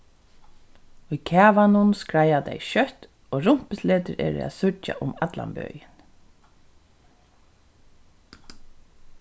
í kavanum skreiða tey skjótt og rumpusletur eru at síggja um allan bøin